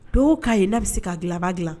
Dɔw k'a ye na bɛ se k'a dilanba dilan